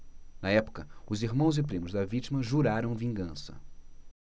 na época os irmãos e primos da vítima juraram vingança